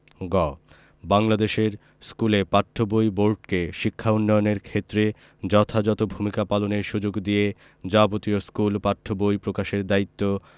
গ বাংলাদেশের স্কুলে পাঠ্য বই বোর্ডকে শিক্ষা উন্নয়নের ক্ষেত্রে যথাযথ ভূমিকা পালনের সুযোগ দিয়ে যাবতীয় স্কুল পাঠ্য বই প্রকাশের দায়িত্ব